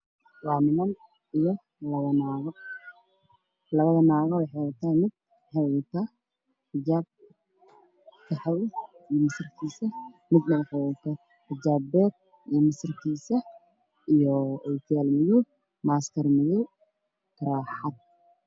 Waxaa ii muuqda niman meel fadhiyo iyo laba nacdood labada naagood waxa ay wataan xijaabo midna waxay wadataa turuxad iyo ookiyaallo